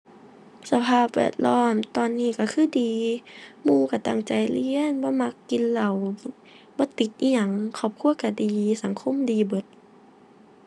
สภาพแวดล้อมตอนนี้ก็คือดี หมู่ก็ตั้งใจเรียน บ่มักกินเหล้า บ่ติดอิหยัง ครอบครัวก็ดี สังคมดีเบิด